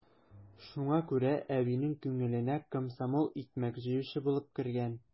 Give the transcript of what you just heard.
Шуңа күрә әбинең күңеленә комсомол икмәк җыючы булып кергән.